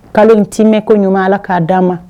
Kalo in tɛ mɛn ko ɲuman k'a d'a ma